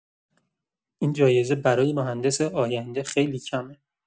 این جایزه برای مهندس آینده خیلی کمه.